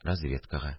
– разведкага